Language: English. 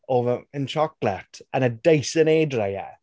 over a chocolate, and a Dyson hairdryer.